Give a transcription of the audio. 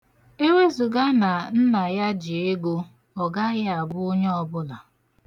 Ewezuga na nna ya ji ego, ọgaghị abụ onye ọbụla